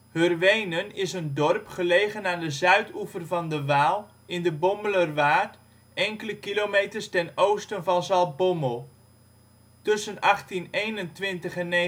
Hurwenen (in de volksmond Hurne) is een dorp gelegen aan de zuidoever van de Waal in de Bommelerwaard, enkele kilometers ten oosten van Zaltbommel. Tussen 1821 en 1955